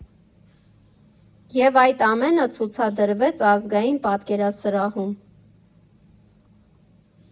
ԵՒ այդ ամենը ցուցադրվեց Ազգային պատկերասրահում։